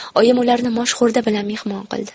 oyim ularni moshxo'rda bilan mehmon qildi